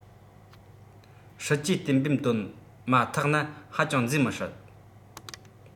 སྲིད ཇུས གཏན འབེབས བཏོན མ ཐག ན ཧ ཅང མཛེས མི སྲིད